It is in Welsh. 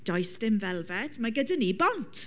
Does dim felfed, ma' gyda ni bont.